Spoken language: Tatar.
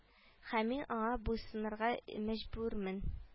Һәм мин аңа буйсынырга мәҗбүрмен